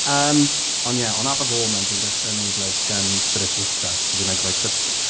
Yym, ond ie, ond ar y foment, fi'n dechrau wneud like, spiritual stuff. So fi'n like rhoi crys-...